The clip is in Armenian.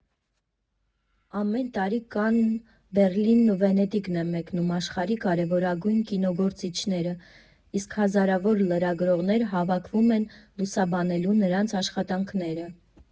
Ամեն տարի Կանն, Բեռլին ու Վենետիկ են մեկնում աշխարհի կարևորագույն կինոգործիչները, իսկ հազարավոր լրագրողներ հավաքվում են լուսաբանելու նրանց նոր աշխատանքները։